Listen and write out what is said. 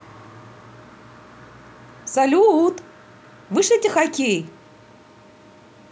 салют вышлите хоккей